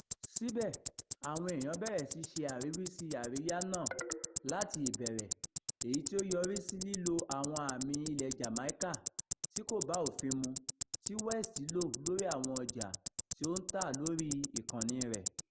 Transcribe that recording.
Síbẹ̀, àwọn èèyàn bẹ̀rẹ̀ sí ṣe àríwísí àríyá náà láti ìbẹ̀rẹ̀, èyí tí ó yọrí sí lílo àwọn àmì ilẹ̀ Jàmáíkà tí kò bá òfin mu tí West lò lórí àwọn ọjà tí ó ń tà lórí ìkànnì rẹ̀.